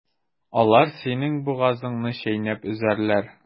Алар синең бугазыңны чәйнәп өзәрләр.